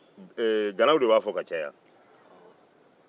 ganaw de b'a fɔ ka caya